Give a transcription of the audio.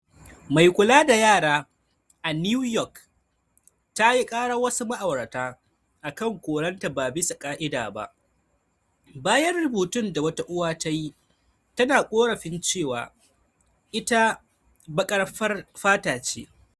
Mai kula da yara a New York tayi ƙarar wasu ma’aurata akan koranta ba bisa ka’ida ba, bayan rubutun da wata uwa tayi tana korafin cewa ita "baƙar fata ce"